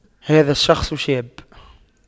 هذا الشخص شاب